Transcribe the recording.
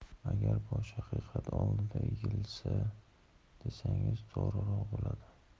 agar bosh haqiqat oldida egilsa desangiz to'g'riroq bo'lardi